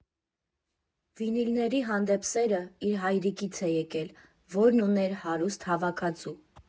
Վինիլների հանդեպ սերը իր հայրիկից է եկել, որն ուներ հարուստ հավաքածու։